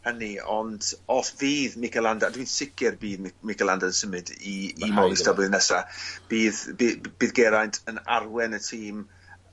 hynny ond os fydd Mikel Landa dwi'n sicir bydd Mik- Mikel Landa yn symud i i Movistar blwyddyn nesa bydd by- b- bydd Geraint yn arwen y tîm